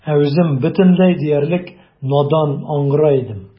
Ә үзем бөтенләй диярлек надан, аңгыра идем.